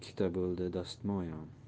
ikkita bo'ldi dastmoyam